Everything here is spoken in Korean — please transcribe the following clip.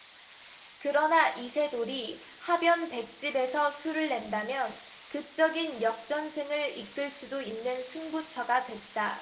그러나 이세돌이 하변 백집에서 수를 낸다면 극적인 역전승을 이끌 수도 있는 승부처가 됐다